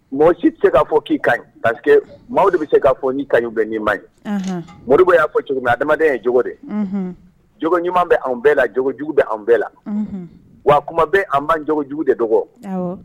Mɔgɔ si tɛ se k'a fɔ k'i kaɲi parce que maaw de bɛ se k'a fɔ i kaɲi ou bien n'i maɲi. Anhan! Modibo y'a fɔ cogo min adamaden ye jogo de ye. Unhun! Jogo ɲuman bɛ anw bɛɛ la jogo jugu bɛ anw bɛɛ la. Unhun! Wa tuma bɛɛ, an b'an jogo jugu de dɔgɔ. Awɔ!